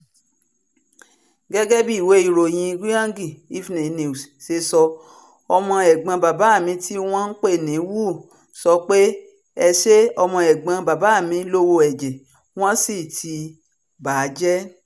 Gẹ́gẹ́ bí ìwé ìròyìn Guiyang Evening News ṣe sọ, ọmọ ẹ̀gbọ́n bàbá mi tí wọ́n ń pè ní "Wu" sọ pé: "Ẹsẹ̀ ọmọ ẹ̀gbọ́n bàbá mi lọ́wọ́ ẹ̀jẹ̀, wọ́n sì ti bà jẹ́.